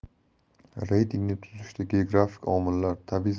reytingni tuzishda geografik omillar tabiiy zaxiralar moliyaviy